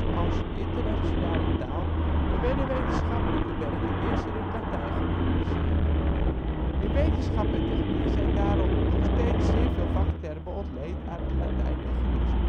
als internationale taal en werden wetenschappelijke werken eerst in het Latijn gepubliceerd. In wetenschap en techniek zijn daarom nog steeds zeer veel vaktermen ontleend aan het Latijn en Grieks